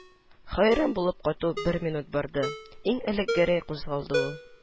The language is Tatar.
Хәйран булып кату бер минут барды, иң элек Гәрәй кузгалды, ул: